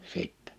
sitten